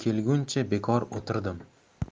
kelguncha bekor o'tirdim